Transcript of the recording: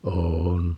on